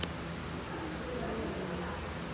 это было больно